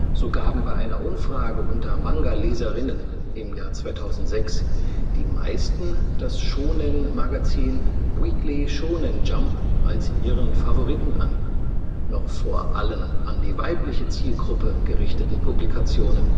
So gaben bei einer Umfrage unter Manga-Leserinnen im Jahr 2006 die meisten das Shōnen-Magazin Weekly Shōnen Jump als ihren Favoriten an, noch vor allen an die weibliche Zielgruppe gerichteten Publikationen